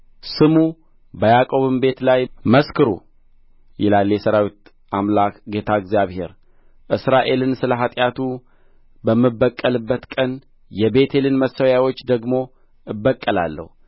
ስሙ በያዕቆብም ቤት ላይ መስክሩ ይላል የሠራዊት አምላክ ጌታ እግዚአብሔር ስራኤልን ስለ ኃጢአቱ በምበቀልበት ቀን የቤቴልን መሠዊያዎች ደግሞ እበቀላለሁ